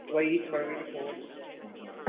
Do I eat while we record? I don't know.